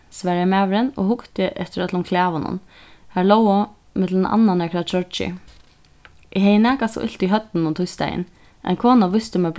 svaraði maðurin og hugdi eftir øllum klæðunum har lógu millum annað nakrar troyggjur eg hevði nakað so ilt í høvdinum týsdagin ein kona vísti mær